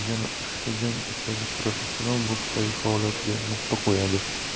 jang o'tkazib professional boksdagi faoliyatiga nuqta qo'yadi